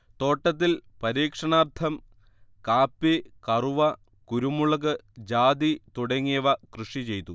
തോട്ടത്തിൽ പരീക്ഷണാർത്ഥം കാപ്പി, കറുവ, കുരുമുളക്, ജാതി തുടങ്ങിയവ കൃഷി ചെയ്തു